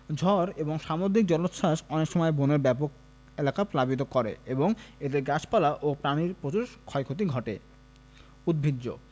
ঝড় এবং সামুদ্রিক জলোচ্ছ্বাস অনেক সময় বনের ব্যাপক এলাকা পাবিত করে এবং এতে গাছপালা ও প্রাণীর প্রচুর ক্ষয়ক্ষতি ঘটে উদ্ভিজ্জ